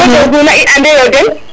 we ngodo guna i ande yo den